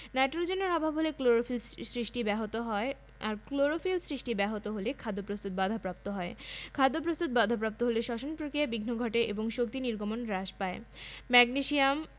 macronutrient বা ম্যাক্রোউপাদান এবং মাইক্রোনিউট্রিয়েন্ট বা মা মাইক্রোউপাদান ১ ম্যাক্রোনিউট্রিয়েন্ট বা ম্যাক্রোউপাদান